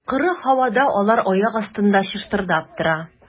Коры һавада алар аяк астында чыштырдап тора.